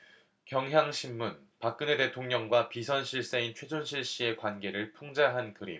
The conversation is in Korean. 경향신문 박근혜 대통령과 비선실세인 최순실씨의 관계를 풍자한 그림